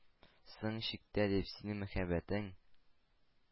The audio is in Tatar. «соң чиктә, дип, синең мәхәббәтең